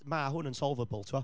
Ma' hwn yn solveable, tibod.